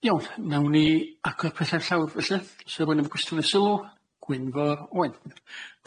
Iawn, nawn ni agor petha i'r llawr felly. Sa rhwyn efo cwestiwn neu sylw, Gwynfor Owen.